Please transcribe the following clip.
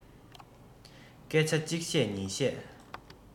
སྐད ཆ གཅིག བཤད གཉིས བཤད